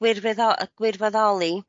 gwirfyddo- yy gwirfyddoli